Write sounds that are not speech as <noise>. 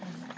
<hesitation> <hesitation>